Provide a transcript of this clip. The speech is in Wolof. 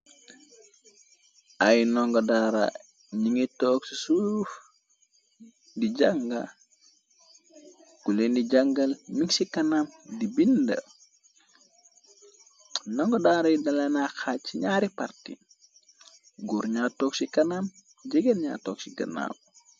Ay ndongo daara ni ngi toog ci suuf di janga, gulendi jangal nig ci kanam di bind, ndongo daaray daleena xaaj ci ñaari parti , guur ñaa toog ci kanam, jegeel ñaa tog ci gënnaaw.